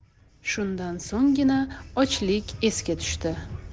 shundan so'nggina ochlik esga tushdi